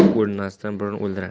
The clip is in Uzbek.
yomon xotin o'hnasdan burun o'ldirar